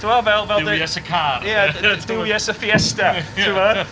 Ti'bod, fel... fel dweud... Duwies y car... Ia Duwies y Fiesta t'bod.